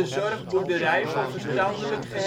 zorgboerderij voor verstandelijk gehandicapten